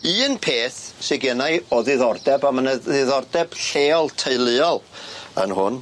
Un peth sy gennai o ddiddordeb a ma' 'na ddiddordeb lleol teuluol yn hwn.